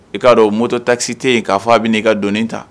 I k'a dɔn moto tasi tɛ yen'a fɔ a bɛ n'i ka doni ta